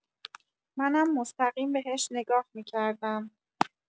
منم مستقیم بهش نگاه می‌کردم.